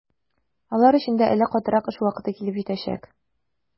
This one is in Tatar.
Алар өчен дә әле катырак эш вакыты килеп җитәчәк.